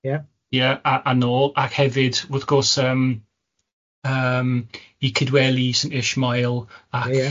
Ie. iI a a nôl ac hefyd wrth gwrs yym yym i Cydweli St Ishmael ac... Ie.